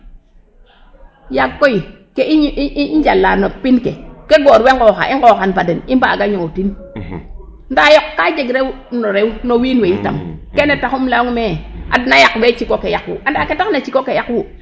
Yaag koy ke i njala no pind ke ke goor we nqooxaa, i nqooxan fa den i mbaaga ñoowtin ndaa yoq ka jeg rew no rew no wiin we yitam kene taxu um layong me adna yaqwee ciko ke yaqwu anda ke tax na ciko ke yaqwu.